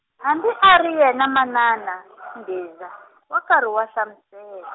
hambi a ri yena manana, Mbhiza wa karhi wa hlamusela.